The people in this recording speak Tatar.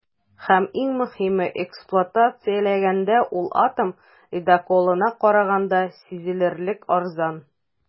Һәм, иң мөһиме, эксплуатацияләгәндә ул атом ледоколына караганда сизелерлек арзан.